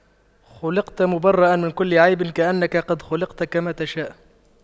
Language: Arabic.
خلقت مُبَرَّأً من كل عيب كأنك قد خُلقْتَ كما تشاء